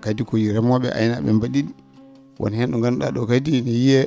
kadi ko yo remoo?e e aynaa?e mba?i ?e woni heen ?o nganndu?aa ?oo kadi yiyee